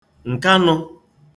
ǹkanụ̄